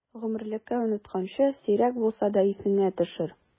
Гомерлеккә онытканчы, сирәк булса да исеңә төшер!